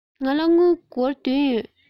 ང ལ སྒོར བདུན ཡོད